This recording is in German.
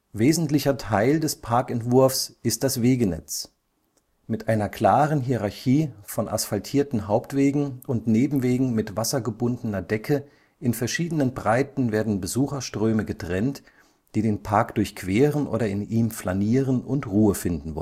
Wesentlicher Teil des Parkentwurfs ist das Wegenetz. Mit einer klaren Hierarchie von asphaltierten Hauptwegen und Nebenwegen mit wassergebundener Decke in verschiedenen Breiten werden Besucherströme getrennt, die den Park durchqueren oder in ihm flanieren und Ruhe finden